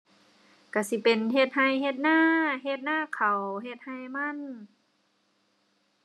ก็สิเป็นเฮ็ดก็ เฮ็ดนา เฮ็ดนาข้าว เฮ็ดก็มัน